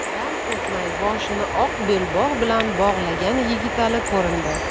dam o'tmay boshini oq belbog' bilan bog'lagan yigitali ko'rindi